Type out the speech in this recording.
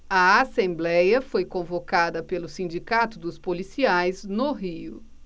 a assembléia foi convocada pelo sindicato dos policiais federais no rio